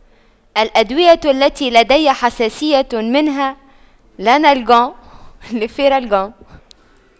الأدوية التي لدي حساسية منها لانلكو ليفيرلكو